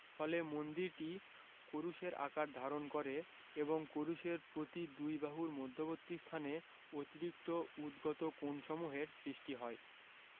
ফলে মন্দিরটি ক্রুশের আকার ধারণ করে এবং ক্রুশের প্রতি দুই বাহুর মধ্যবর্তী স্থানে অতিরিক্ত উদ্গত কোণসমূহের সৃষ্টি হয়